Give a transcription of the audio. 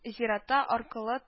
Зиратта аркылы-